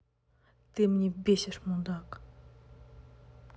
ты мне бесишь мудак